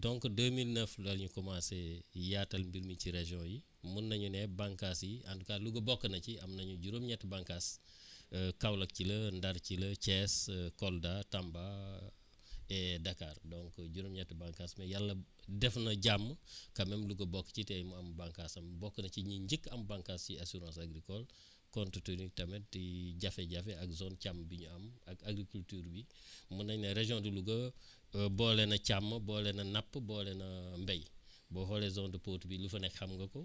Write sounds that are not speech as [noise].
donc 2009 la ñu commencé [hesitation] yaatal mbir mi ci région yi mun nañu ne bànqaas yi en tout cas Louga bokk na ci am nañu juróom-ñetti bànqaas [breath] Kaolack ci la Ndar ci la Thiès [hesitation] Kolda Tamba et Dakar donc juróom-ñetti bànqaas ba yàlla def na jàmm [breath] quand même Louga bokk ci te mu am bànqaasam bokk na ci ñi njëkk a am bànqaas ci assurance agricole [breath] compte tenu tamit ci jafe-jafe ak zone càmm bi ñu am ak agriculture bi [breath] mën nañ ne région de Louga boole na càmm boole na napp boole na [hesitation] mbéy boo xoolee zone de Potou bi li fa ne xam nga ko